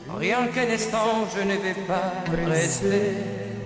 O y' kɛ ni san fɛ ne bɛ fala ye sɛ